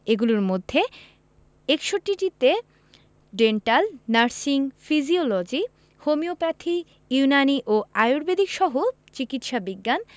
এগুলোর মধ্যে ৬১টিতে dental nursing physiology homeopathy Unani ও আর্য়ুবেদিকসহ চিকিৎসা বিজ্ঞান